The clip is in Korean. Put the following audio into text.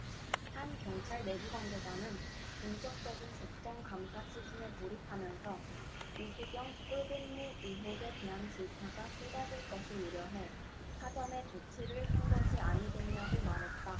한 경찰 내부관계자는 본격적인 국정감사 시즌에 돌입하면서 우수경 꿀근무 의혹에 대한 질타가 쏟아질 것을 우려해 사전에 조치를 한 것이 아니겠냐고 말했다